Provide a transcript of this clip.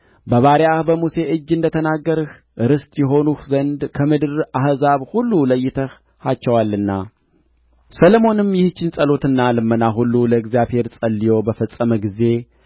በባሪያህ በሙሴ እጅ እንደ ተናገርህ ርስት ይሆኑህ ዘንድ ከምድር አሕዛብ ሁሉ ለይተሃቸዋልና ሰሎሞንም ይህችን ጸሎትና ልመና ሁሉ ለእግዚአብሔር ጸልዮ በፈጸመ ጊዜ